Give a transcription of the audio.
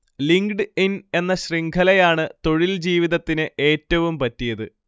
linked in എന്ന ശൃംഖലയാണ് തൊഴിൽജീവിതത്തിന് ഏറ്റവും പറ്റിയത്